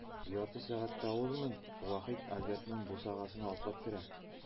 Ярты сәгать тә узмый, Вахит Альбертның бусагасын атлап керә.